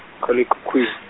khalekhukhwini.